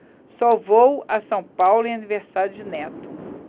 só vou a são paulo em aniversário de neto